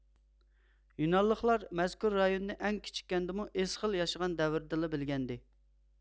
يۇنانلىقلار مەزكۇر رايوننى ئەڭ كېچىككەندىمۇ ئېسخېل ياشىغان دەۋردىلا بىلگەنىدى